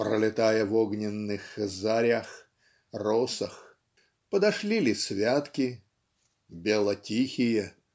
"пролетая в огненных зарях росах" подошли ли Святки "бело-тихие